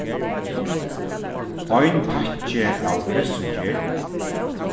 ein pakki av pressuger